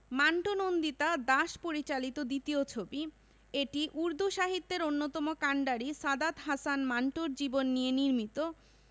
মান্টো নন্দিতা দাস পরিচালিত দ্বিতীয় ছবি এটি উর্দু সাহিত্যের অন্যতম কান্ডারি সাদাত হাসান মান্টোর জীবন নিয়ে নির্মিত